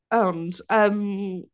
Ond yym...